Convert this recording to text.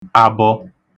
abọ